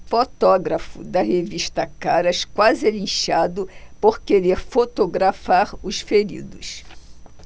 fotógrafo da revista caras quase é linchado por querer fotografar os feridos